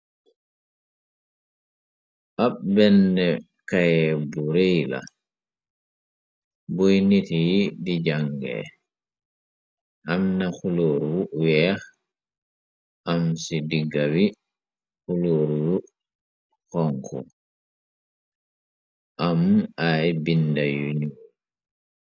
Ab benn kaye bu rëy la, buy nit yi di jàngee, amna xulooru weex, am ci diggawi xuloorl xonku, am ay binda yu nu.